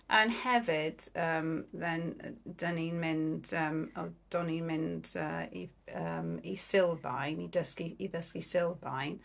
Yym, hefyd yym then dan ni'n mynd yym do'n i'n mynd i yym i Sylfaen i dysgu i ddysgu Sylfaen.